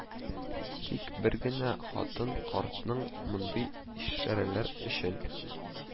Тик бер генә хатын картның мондый ишарәләре өчен: